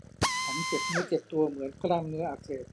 ฉันเจ็บเนื้อตัวเหมือนกล้ามเนื้ออักเสบ